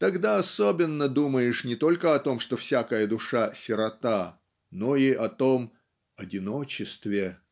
тогда особенно думаешь не только о том, что всякая душа сирота но и о том "одиночестве